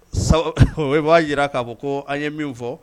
. O b'a jira k'a fɔ ko an ye min fɔ